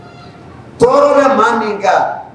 Tɔɔrɔ bɛ maa min kan